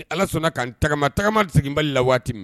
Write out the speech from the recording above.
Ni ala sɔnna ka n tagama tagama seginbali la waati min.